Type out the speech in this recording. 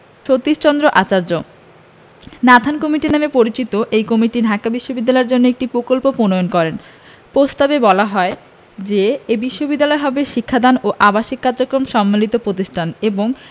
Satishchandra Acharya Nathan committee নামে পরিচিত এ কমিটি ঢাকা বিশ্ববিদ্যালয়ের জন্য একটি প্রকল্প প্রণয়ন করেন প্রস্তাবে বলা হয় যে এ বিশ্ববিদ্যালয় হবে শিক্ষাদান ও আবাসিক কার্যক্রম সম্বলিত প্রতিষ্ঠান এবং